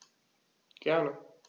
Gerne.